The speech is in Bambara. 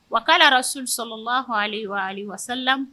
Wara s sɔn ma h waali